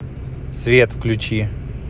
свет включи